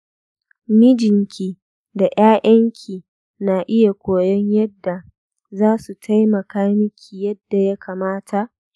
mijinki da ‘ya’yanki na iya koyon yadda za su taimaka miki yadda ya kamata.